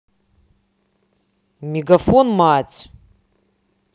мегафон мать